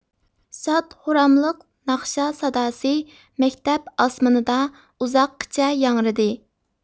شاد خۇراملىق ناخشا ساداسى مەكتەپ ئاسمىنىدا ئۇزاققىچە ياڭرىدى